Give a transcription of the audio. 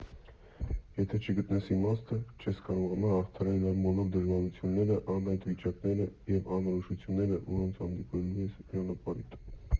Եթե չգտնես իմաստը, չես կարողանա հաղթահարել այն բոլոր դժվարությունները, անհայտ վիճակները, և անորոշությունները, որոնց հանդիպելու ես ճանապարհիդ։